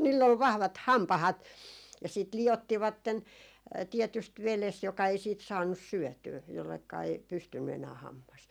niillä oli vahvat hampaat ja sitten liottivat tietysti vedessä joka ei siitä saanut syötyä jolleka ei pystynyt enää hammas